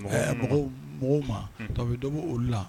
Mɔgɔw mɔgɔw ma tɔwbabu bɛ dɔbo olu la